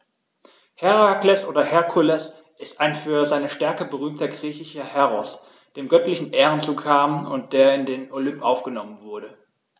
Herakles oder Herkules ist ein für seine Stärke berühmter griechischer Heros, dem göttliche Ehren zukamen und der in den Olymp aufgenommen wurde.